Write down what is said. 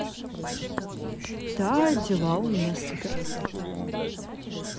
да дела у меня супер